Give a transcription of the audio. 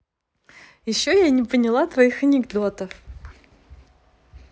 еще я не поняла твоих анекдотов